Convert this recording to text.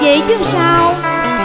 vậy chứ sao